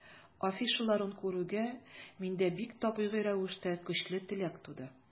Афишаларын күрүгә, миндә бик табигый рәвештә көчле теләк туды.